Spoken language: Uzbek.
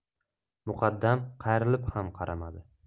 muqaddam qayrilib ham qaramadi